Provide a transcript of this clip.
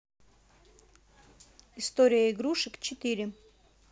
история игрушек четыре